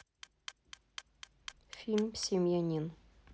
фильм семьянин